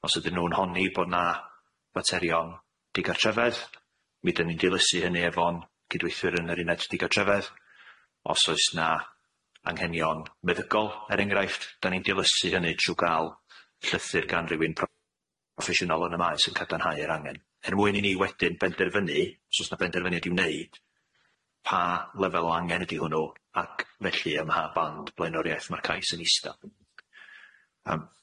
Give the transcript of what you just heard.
Os ydyn nw'n honni bo' na faterion digartrefedd mi dyn ni'n dilysu hynny efo'n cydweithwyr yn yr uned digartrefedd os oes na anghenion meddygol er enghraifft dan ni'n dilysu hynny trw ga'l llythyr gan rywun proffesiynol yn y maes yn cadarnhau yr angen er mwyn i ni wedyn benderfynu os o's na benderfyniad i wneud pa lefel o angen ydi hwnnw ac felly ym mha band blaenoriaeth ma'r cais yn ista yym.